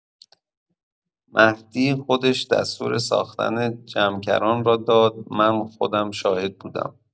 مهدی خودش دستور ساختن جمکران را داد من خودم شاهد بودم.